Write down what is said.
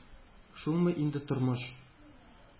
Шулмы инде тормыш!